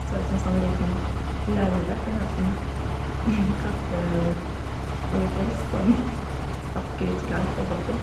Så ut som en sånn liten larve, for hun hadde sånn katteungepels sånn stakk ut langt fra kroppen.